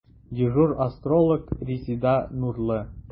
Дежур астролог – Резеда Нурлы.